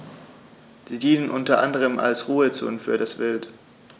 Sie dienen unter anderem als Ruhezonen für das Wild.